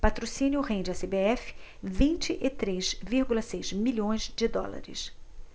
patrocínio rende à cbf vinte e três vírgula seis milhões de dólares